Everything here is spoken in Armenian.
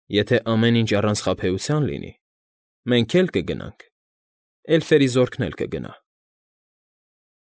Եթե ամեն ինչ առանց խաբերության լինի, մենք էլ կգնանք, էլֆերի զորքն էլ կգնա։